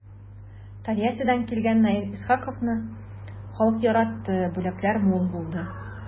Тольяттидан килгән Наил Исхаковны халык яратты, бүләкләр мул булды.